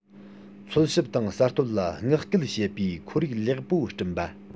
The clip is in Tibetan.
འཚོལ ཞིབ དང གསར གཏོད ལ བསྔགས སྐུལ བྱེད པའི ཁོར ཡུག ལེགས པོ བསྐྲུན པ